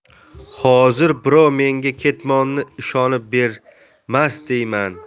hozir birov menga ketmonni ishonib bermas deyman